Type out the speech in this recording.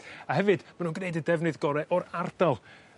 A hefyd ma' n'w'n gneud y defnydd gore' o'r ardal